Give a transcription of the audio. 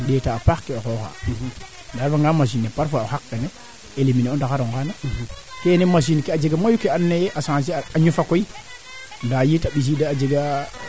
to manaam o kooro leŋ ka leyaam feede faake laŋ paaxeer njege e lang kaa topatwaa neenda e ten jegu to jambaam